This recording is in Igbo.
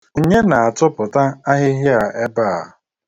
Onye na-atụpụta ahịhịa a ebea?